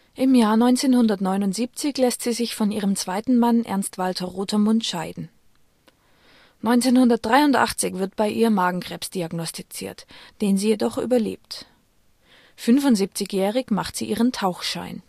Im Jahr 1979 lässt sie sich von ihrem zweiten Mann Ernst-Walter Rotermund scheiden. 1983 wird bei ihr Magenkrebs diagnostiziert, den sie jedoch überlebt. 75jährig macht sie ihren Tauchschein